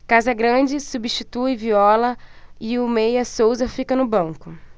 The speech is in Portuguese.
casagrande substitui viola e o meia souza fica no banco